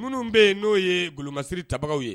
Minnu bɛ yen n'o ye golomasiri tabagaw ye.